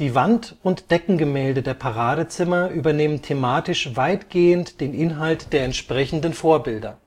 Wand - und Deckengemälde der Paradezimmer übernehmen thematisch weitgehend den Inhalt der entsprechenden Vorbilder